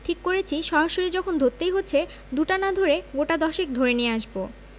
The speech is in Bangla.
ঠিক করেছি সরাসরি যখন ধরতেই হচ্ছে দুটা না ধরে গোটা দশেক ধরে নিয়ে আসব